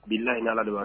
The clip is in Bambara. Bii layi ala de wa